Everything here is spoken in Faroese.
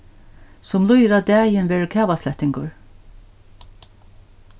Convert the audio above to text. sum líður á dagin verður kavaslettingur